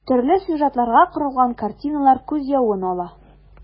Төрле сюжетларга корылган картиналар күз явын ала.